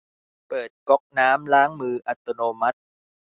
เปิดก๊อกน้ำล้างมืออัตโนมัติ